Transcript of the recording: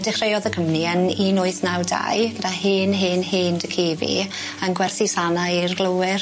Dechreuodd y cwmni yn un wyth naw dau gyda hen hen hen dy'cu fi yn gwerthu sanau i'r glowyr.